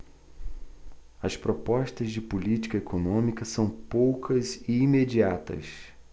as propostas de política econômica são poucas e imediatas